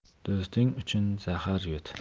do'sting uchun zahar yut